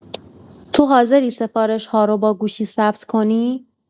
تو حاضری سفارش‌ها رو با گوشی ثبت کنی؟